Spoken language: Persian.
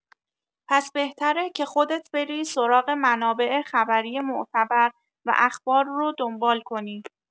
پس بهتره که خودت بری سراغ منابع خبری معتبر و اخبار رو دنبال کنی.